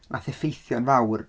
Wnaeth effeithio'n fawr...